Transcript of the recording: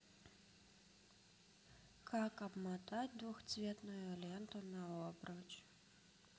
как обмотать двухцветную ленту на обруч